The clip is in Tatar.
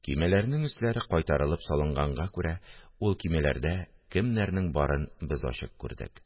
Көймәләрнең өсләре кайтарылып салынганга күрә, ул көймәләрдә кемнәрнең барын без ачык күрдек